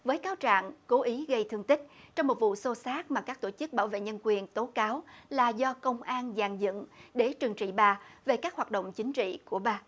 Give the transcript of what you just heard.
với cáo trạng cố ý gây thương tích trong một vụ xô xát mà các tổ chức bảo vệ nhân quyền tố cáo là do công an dàn dựng để trừng trị bà về các hoạt động chính trị của bà